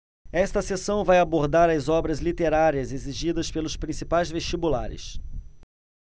esta seção vai abordar as obras literárias exigidas pelos principais vestibulares